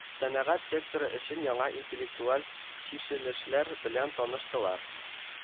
Сәнәгать секторы өчен яңа интеллектуаль чишелешләр белән таныштылар